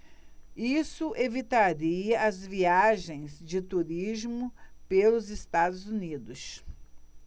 isso evitaria as viagens de turismo pelos estados unidos